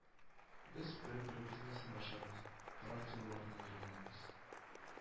Без бер-беребезне сынашабыз, характерларны өйрәнәбез